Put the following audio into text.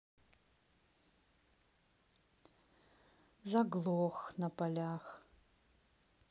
заглох на полях